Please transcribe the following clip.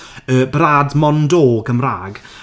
Y Brad Mondo Gymraeg.